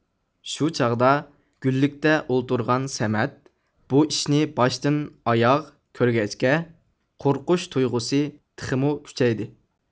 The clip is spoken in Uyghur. شۇ چاغدا گۈللۈكتە ئولتۇرغان سەمەت بۇ ئىشنى باشتىن ئاياغ كۆرگەچكە قورقۇش تۇيغۇسى تېخىمۇ كۈچەيدى